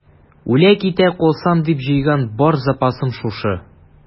Үлә-китә калсам дип җыйган бар запасым шушы.